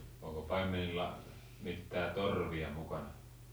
onko paimenilla mitään torvia mukana